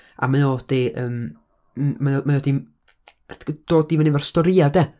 A mae o 'di, yym, m- mae o, mae o 'di dod i fyny efo'r storîau, de?